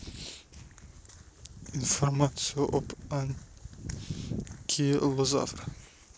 информацию об анкилозавра